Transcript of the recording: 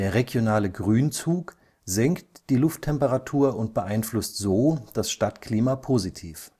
regionale Grünzug senkt die Lufttemperatur und beeinflusst so das Stadtklima positiv